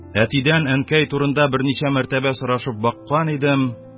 Әтидән әнкәй турында берничә мәртәбә сорашып баккан идем